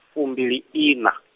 fumbiliiṋa.